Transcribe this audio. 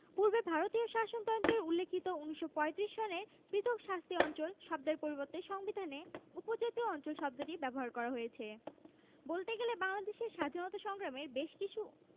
পূর্বে ভারতীয় শাসনতন্ত্রে উল্লিখিত ১৯৩৫ সনের পৃথক শাস্তি অঞ্চল শব্দের পরিবর্তে সংবিধানে উপজাতীয় অঞ্চল শব্দটি ব্যবহার করা হয়েছে বলতে গেলে বাংলাদেশের স্বাধীনতা সংগ্রামে বেশকিছু